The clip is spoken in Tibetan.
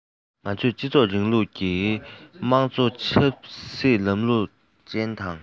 ང ཚོས སྤྱི ཚོགས རིང ལུགས ཀྱི དམངས གཙོ ཆབ སྲིད ལམ ལུགས ཅན དང